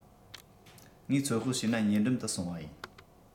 ངས ཚོད དཔག བྱས ན ཉེ འགྲམ དུ སྲུང བ ཡིན